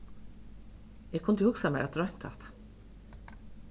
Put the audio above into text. eg kundi hugsað mær at roynt hatta